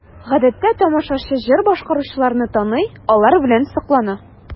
Гадәттә тамашачы җыр башкаручыларны таный, алар белән соклана.